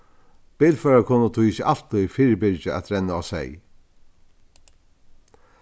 bilførarar kunnu tí ikki altíð fyribyrgja at renna á seyð